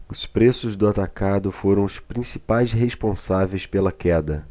os preços no atacado foram os principais responsáveis pela queda